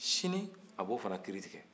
sini a b'o fana tigɛ